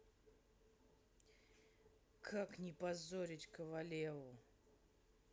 как не позорить ковалеву